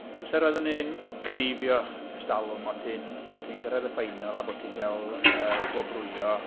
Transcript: Amser oeddwn i'n cneifio ers talwm o't ti'n... os o't ti'n cyrraedd y final a bod ti'n cael yy gwobrwyo...